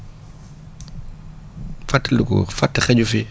fàttaliku fàtte xaju fi